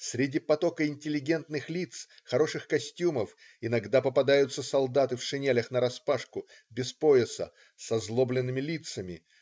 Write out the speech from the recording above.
Среди потока интеллигентных лиц, хороших костюмов иногда попадаются солдаты в шинелях нараспашку, без пояса, с озлобленными лицам.